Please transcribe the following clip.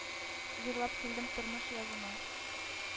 Җырлап килдем тормыш языма.